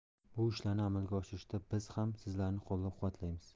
bu ishlarni amalga oshirishda biz ham sizlarni qo'llab quvvatlaymiz